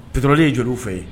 Ptrden ye jeliw fɛ ye